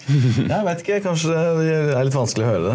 ja eg veit ikkje kanskje det er litt vanskeleg å høyre det.